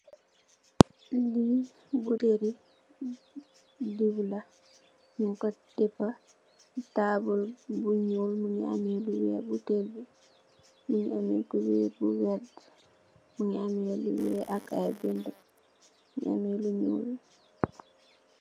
Li botali dew la nyung ko depa si tabul bu nuul mongi ame lu weex botale bi mongi ame cuber bu werta mongi ame lu weex ak ay binda mongi ame lu nuul.